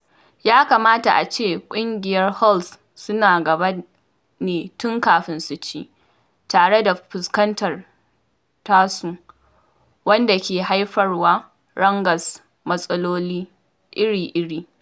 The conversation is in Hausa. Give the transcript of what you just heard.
Ya kamata a ce ƙungiyar Holt suna gaba ne tun kafin su ci, tare da fuskantar tasu wanda ke haifar wa Rangers matsaloli iri-iri.